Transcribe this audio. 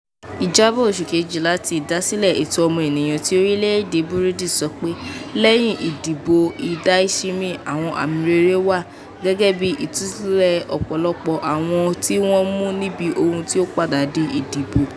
Ìjábọ̀ oṣù Kejìlá ti Ìdásílẹ̀ Ẹ̀tọ́ Ọmọnìyàn ti orílẹ̀ èdè Burundi sọ pé, lẹ́yìn ìdìbò Ndayishimye, àwọn àmì rere wà, gẹ́gẹ́ bíi ìtúsílẹ̀ ọ̀pọ̀lọpọ̀ àwọn tí wọ́n mú níbi ohun tí ó padà di ìdìbò.